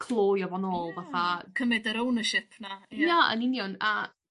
...clawio fo nôl fatha... Cymyd yr ownership 'na ia. ...Ia yn union a